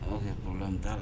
Ɔ kɛ kolo da la